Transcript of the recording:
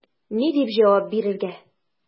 Ни дип җавап бирергә?